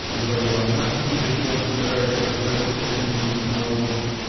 — прибавила она, видя, что он собирается разразиться каким-нибудь монологом.